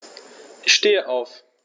Ich stehe auf.